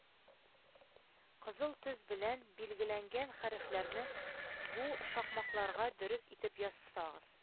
Кызыл төс белән билгеләнгән хәрефләрне буш шакмакларга дөрес итеп язсагыз,